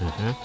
ahaa